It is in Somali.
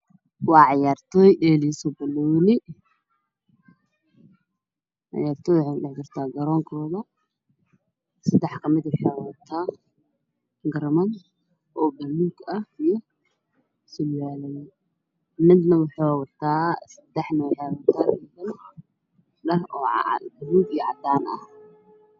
Waa ciyaartoy dhee leyso banooni seddax ka mid ah waxey wataan garamo cadaan ah iyo buumo madow